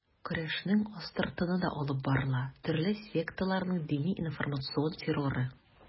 Көрәшнең астыртыны да алып барыла: төрле секталарның дини-информацион терроры.